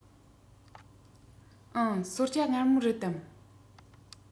འུན གསོལ ཇ མངར མོ རེད དམ